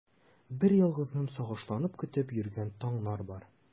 Берьялгызым сагышланып көтеп йөргән таңнар бар.